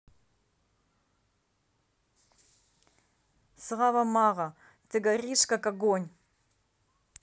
слава мало ты горишь как огонь